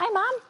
Hi mam!